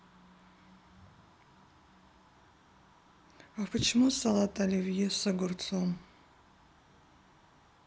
а почему салат оливье с огурцом